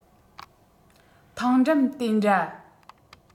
ཐང འགྲམ དེ འདྲ